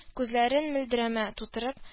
Күзләрен мөлдерәмә тутырып